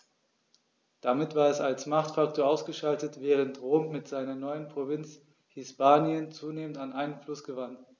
Damit war es als Machtfaktor ausgeschaltet, während Rom mit seiner neuen Provinz Hispanien zunehmend an Einfluss gewann.